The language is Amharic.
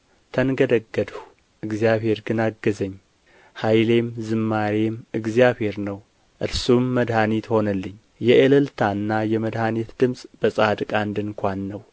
ተንገዳገድሁ እግዚአብሔር ግን አገዘኝ ኃይሌም ዝማሬዬም እግዚአብሔር ነው እርሱም መድኃኒት ሆነልኝ የእልልታና የመድኃኒት ድምፅ በጻድቃን ድንኳን ነው የእግዚአብሔር ቀኝ ኃይልን አደረገች